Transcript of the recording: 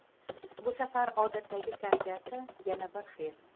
bu safar odatdagi kayfiyatga yana bir his